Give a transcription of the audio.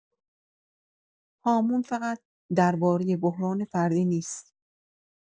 «هامون» فقط دربارۀ بحران فردی نیست.